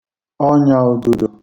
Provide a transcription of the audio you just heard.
ọnyàùdudō